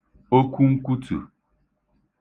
okwunkwutù